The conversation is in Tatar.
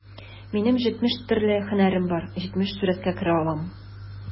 Минем җитмеш төрле һөнәрем бар, җитмеш сурәткә керә алам...